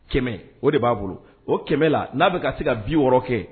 Kɛmɛ o de b'a bolo o kɛmɛ la n'a bɛka ka se ka bi wɔɔrɔ kɛ